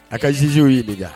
A ka zzyo ye de kan